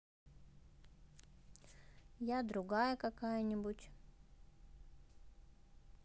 я другая какая нибудь